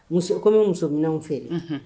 Musokun bɛ musominɛnw fere